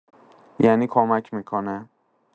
یعنی کمک می‌کنه.